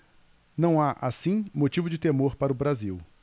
não há assim motivo de temor para o brasil